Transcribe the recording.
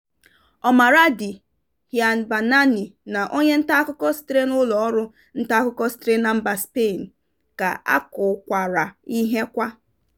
Omar Radi, Hind Bannani, na onye nta akụkọ sitere n'ụlọ ọrụ nta akụkọ sitere na mba Spain ka akụkwara ihe kwa.